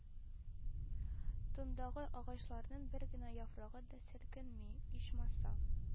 Тындагы агачларның бер генә яфрагы да селкенми, ичмаса